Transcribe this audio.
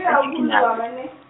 a ke ke nyale.